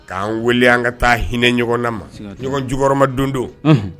K'an weele an ka taa hinɛ ɲɔgɔn na ma ɲɔgɔn jkɔrɔma don don